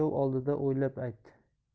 uchov oldida o'ylab ayt